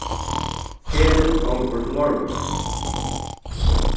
ferðin gongur til leirvíkar